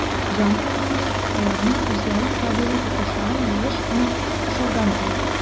"җан-фәрманлык" аларның үзләрен табигый тотышларын еш кына тышаулап тора.